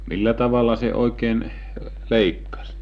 millä tavalla se oikein leikkasi